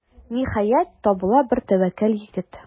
Ниһаять, табыла бер тәвәккәл егет.